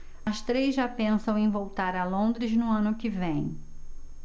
as três já pensam em voltar a londres no ano que vem